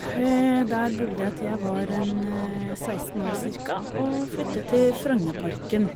Der bodde jeg til jeg var en seksten år, cirka, og flyttet til Frognerparken.